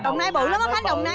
đồng nai bự lắm đó khánh đồng nai